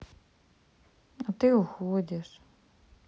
а ты уходишь